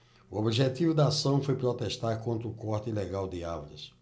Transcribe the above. o objetivo da ação foi protestar contra o corte ilegal de árvores